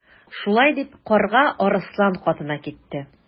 Шулай дип Карга Арыслан катына китте.